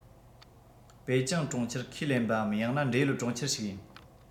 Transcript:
པེ ཅིང གྲོང ཁྱེར ཁས ལེན པའམ ཡང ན འབྲེལ ཡོད གྲོང ཁྱེར ཞིག ཡིན